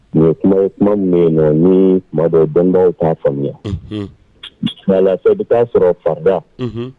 Ni ye kuma ye kuma min be yen nɔ nii tumadɔw dɔnibagaw f'a faamuya unhun mais à la fin i be t'a sɔrɔ farda unhun